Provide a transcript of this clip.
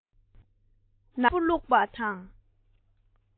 ནང དུ འོ མ དཀར པོ བླུགས པ དང